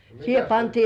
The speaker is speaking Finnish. no minkäslaista